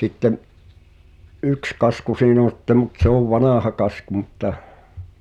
sitten yksi kasku siinä on sitten mutta se on vanha kasku mutta